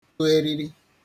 tụ eriri